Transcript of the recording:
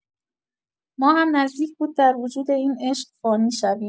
ما هم نزدیک بود در وجود این عشق، فانی شویم.